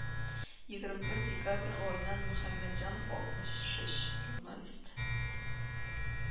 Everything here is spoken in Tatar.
Егерме бер декабрь гайнан мөхәммәтҗанов алтмыш өч , журналист